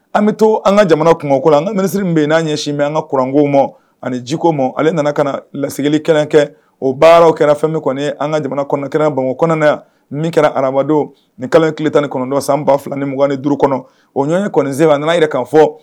An bɛ to an ka jamana kungoko la n minisiri bɛ yen n'a ɲɛsin min an ka kuranko ma ani jiko ma ale nana ka lasigili kɛrɛn kɛ o baaraw kɛra fɛn min kɔni ye an ka jamana kɔnɔnkɛrɛn bamakɔ kɔnɔnaɛ min kɛra aramadenw ni kalo ki tan ni kɔnɔntɔn san 2 2 ni mugani duuru kɔnɔ o ɲɔgɔn ye kɔni sene nanaa yɛrɛ kan fɔ